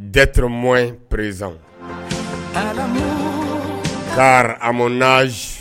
Datremo pererez ka amu naz